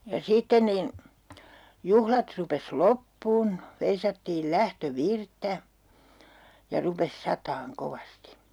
ja sitten niin juhlat rupesi loppumaan veisattiin lähtövirttä ja rupesi satamaan kovasti